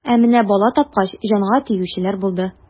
Ә менә бала тапкач, җанга тиючеләр булды.